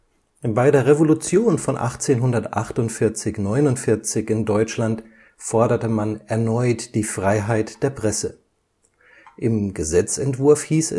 Bei der Revolution von 1848 / 49 in Deutschland forderte man erneut die Freiheit der Presse. Im Gesetzentwurf hieß